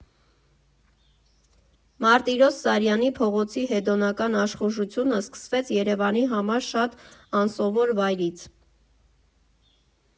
Մարտիրոս Սարյանի փողոցի հեդոնական աշխուժությունը սկսվեց Երևանի համար շատ անսովոր վայրից։